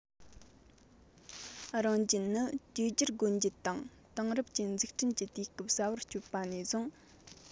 རང རྒྱལ ནི བཅོས སྒྱུར སྒོ འབྱེད དང དེང རབས ཅན འཛུགས སྐྲུན གྱི དུས སྐབས གསར བར བསྐྱོད པ ནས བཟུང